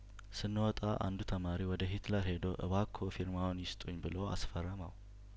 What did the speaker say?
ስን ወጣ አንዱ ተማሪ ወደ ሂትለር ሄዶ እባኮ ፊርማዎን ይስጡኝ ብሎ አስፈረመው